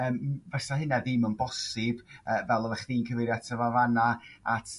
yym fasa hyna ddim yn bosib y fel odda chdi'n cyfeirio ata fo'n fana